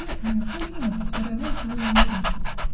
друг мой, Акулина!" -- повторял он, целуя ее руки.